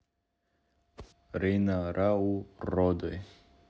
рина рау роды